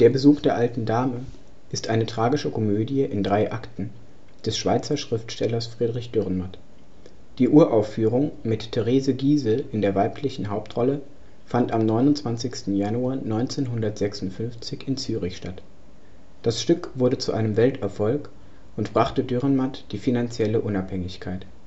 Besuch der alten Dame ist eine tragische Komödie in drei Akten des Schweizer Schriftstellers Friedrich Dürrenmatt. Die Uraufführung mit Therese Giehse in der weiblichen Hauptrolle fand am 29. Januar 1956 in Zürich statt. Das Stück wurde zu einem Welterfolg und brachte Dürrenmatt die finanzielle Unabhängigkeit. Die